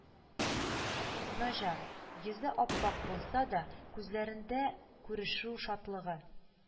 Наҗар, йөзе ап-ак булса да күзләрендә күрешү шатлыгы